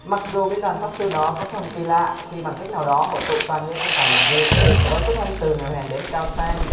mặc dù binh đoàn pháp sư đó có phần kì lạ khi bằng cách nào đó hội tụ toàn những anh tài lập dị với xuất thân từ nghèo hèn đến cao sang